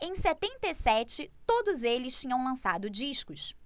em setenta e sete todos eles tinham lançado discos